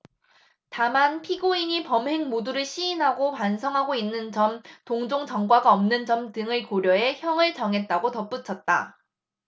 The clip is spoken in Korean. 다만 피고인이 범행 모두를 시인하고 반성하고 있는 점 동종 전과가 없는 점 등을 고려해 형을 정했다고 덧붙였다